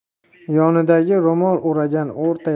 yonidagi ro'mol o'ragan o'rta